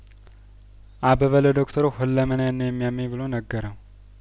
አበበ ለዶክተሩ ሁለመናዬን ነው የሚያመኝ ብሎ ነገረው